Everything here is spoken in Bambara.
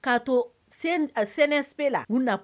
K kaa to a sɛnɛ sɛbɛn la u na